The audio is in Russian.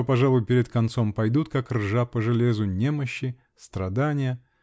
А то, пожалуй, перед концом пойдут, как ржа по железу, немощи, страдания .